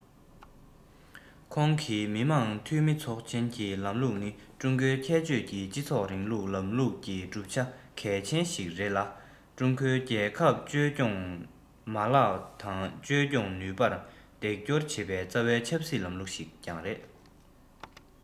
ཁོང གིས མི དམངས འཐུས མི ཚོགས ཆེན གྱི ལམ ལུགས ནི ཀྲུང གོའི ཁྱད ཆོས ཀྱི སྤྱི ཚོགས རིང ལུགས ལམ ལུགས ཀྱི གྲུབ ཆ གལ ཆེན ཞིག རེད ལ ཀྲུང གོའི རྒྱལ ཁབ བཅོས སྐྱོང མ ལག དང བཅོས སྐྱོང ནུས པར འདེགས སྐྱོར བྱེད པའི རྩ བའི ཆབ སྲིད ལམ ལུགས ཤིག ཀྱང རེད